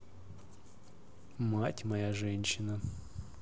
мать моя женщина